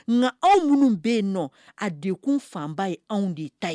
Ŋa anw minnu be yennɔ a dekun fanba ye anw de ta ye